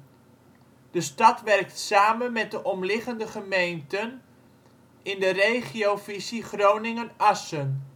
stad werkt samen met de omliggende gemeenten in de Regiovisie Groningen-Assen